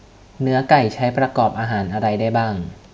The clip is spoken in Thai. เนื้อไก่ใช้ประกอบอาหารอะไรได้บ้าง